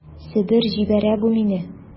Себер җибәрә бу мине...